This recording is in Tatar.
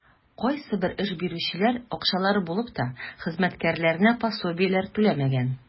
Кайсыбер эш бирүчеләр, акчалары булып та, хезмәткәрләренә пособиеләр түләмәгән.